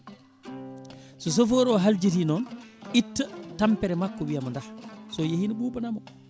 so chauffeur o haljiti noon itta tampere makko wiyamo daah so yeeyi ne ɓuɓanamo